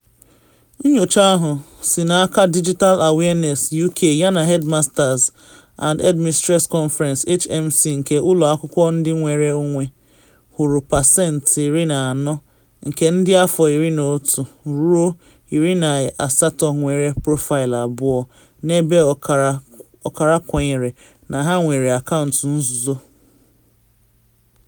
Nyocha ahụ, si n’aka Digital Awareness UK yana Headmasters” and Headmistresses” Conference (HMC) nke ụlọ akwụkwọ ndị nnwere onwe, hụrụ pasentị 40 nke ndị afọ 11 ruo 18 nwere profaịlụ abụọ, n’ebe ọkara kwenyere na ha nwere akaụntụ nzuzo.